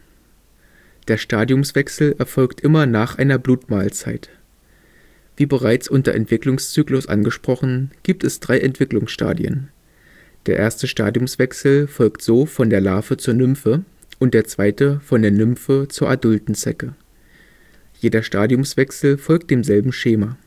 Stadiumswechsel erfolgt immer nach einer Blutmahlzeit. Wie bereits unter „ Entwicklungszyklus “angesprochen gibt es drei Entwicklungsstadien. Der erste Stadiumswechsel folgt so von der Larve zur Nymphe und der zweite von der Nymphe zur adulten Zecke. Jeder Stadiumswechsel folgt demselben Schema